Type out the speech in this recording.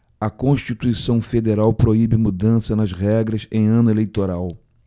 a constituição federal proíbe mudanças nas regras em ano eleitoral